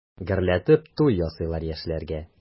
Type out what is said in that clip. Гөрләтеп туй ясыйлар яшьләргә.